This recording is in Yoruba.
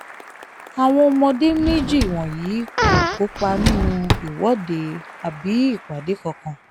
Àwọn ọmọdé méjì wọ̀nyìí kò kópa nínú ìwọ́de àbí ìpàdé kankan.